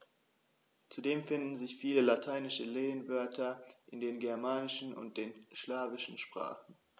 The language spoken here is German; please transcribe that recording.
Zudem finden sich viele lateinische Lehnwörter in den germanischen und den slawischen Sprachen.